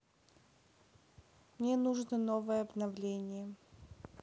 мне нужно новое обновление